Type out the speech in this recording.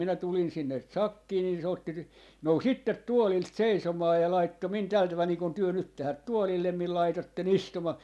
minä tulin sinne sakkiin niin se otti - nousi itse tuolilta seisomaan ja laittoi minun tällä tavalla niin kuin te nyt tähän tuolille minun laitoitte istumaan